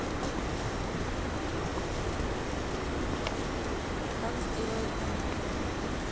как сделают бумагой